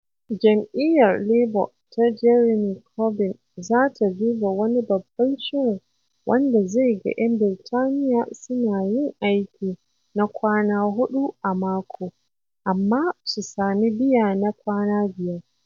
Jam'iyyar Labour ta Jeremy Corbyn za ta duba wani babban shirin wanda zai ga 'yan Birtaniyya suna yin aiki na kwana huɗu a mako - amma su sami biya na kwana biyar.